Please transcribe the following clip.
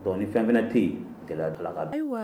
Dɔni fɛn fana tɛ yen gɛlɛya dalakan don